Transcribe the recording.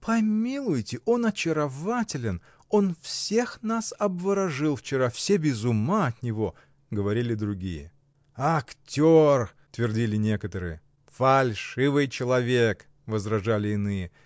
— Помилуйте, он очарователен: он всех нас обворожил вчера, все без ума от него! — говорили другие. — Актер! — твердили некоторые. — Фальшивый человек! — возражали иные.